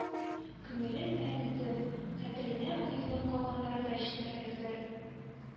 Күңелен әрнетеп, хәтеренә уелып калганнары да җитәрлектер.